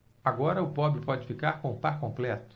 agora o pobre pode ficar com o par completo